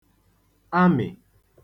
amị̀